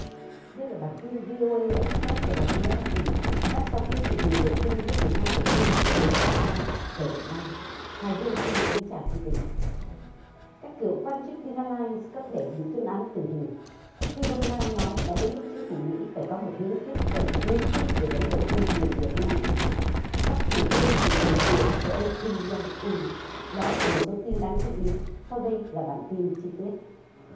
đây là bản tin vi âu ây ích rét của đài tiếng nói hoa kỳ phát sóng trên truyền hình vệ tinh lúc mười hai giờ trưa ngày mười bốn tháng mười hai giờ việt nam hoài hương xin kính chào quý vị các cựu quan chức vi na lai có thể bị tuyên án tử hình phi đâm nao nói đã đến lúc chính phủ mỹ phải có một hướng tiếp cận nghiêm túc về vấn đề nhân quyền việt nam bắc triều tiên xử tử dượng của ông kim dong un đó là một số tin đáng chú ý sau đây là bản tin chi tiết